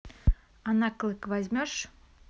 а на клык возьмешь